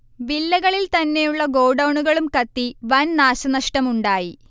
വില്ലകളിൽ തന്നെയുള്ള ഗോഡൗണുകളും കത്തി വൻ നാശന്ഷടം ഉണ്ടായി